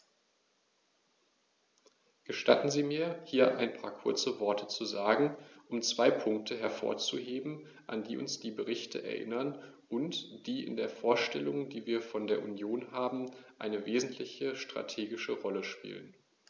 Gestatten Sie mir, hier ein paar kurze Worte zu sagen, um zwei Punkte hervorzuheben, an die uns diese Berichte erinnern und die in der Vorstellung, die wir von der Union haben, eine wesentliche strategische Rolle spielen.